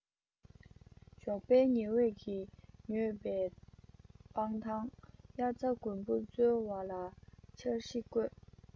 ཞོགས པའི ཉི འོད ཀྱིས མྱོས པའི སྤང ཐང དབྱར རྩྭ དགུན འབུ བཙལ བ ལ འཆར གཞི བཀོད